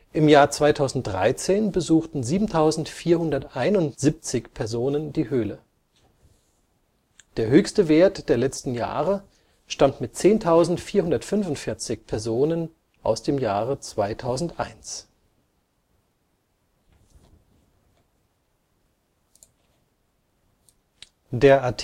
Im Jahre 2013 besuchten 7.471 Personen die Höhle. Der höchste Wert der letzten Jahre stammt mit 10.445 Personen aus dem Jahre 2001